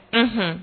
Unhun!